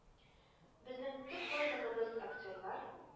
Безнең төп байлыгыбыз актерлар